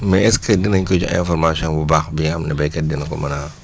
mais est ce que dinañ ko jox information bu baax bi nga xam ne béykat dina ko mun a